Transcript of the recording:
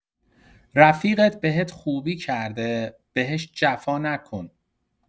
رفیقت بهت خوبی کرده، بهش جفا نکن.